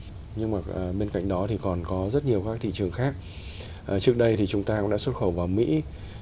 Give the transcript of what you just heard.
nhưng mà bên cạnh đó thì còn có rất nhiều các thị trường khác ờ trước đây thì chúng ta đã xuất khẩu vào mỹ